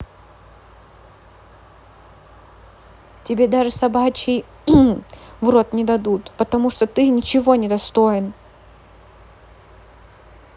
тебе даже собачий хуй в рот не дадут потому что ты ничего не достоин